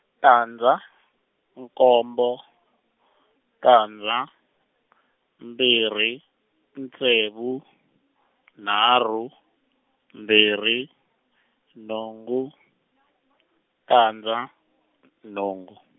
tandza nkombo tandza mbirhi ntsevu nharhu mbirhi nhungu tandza nhungu.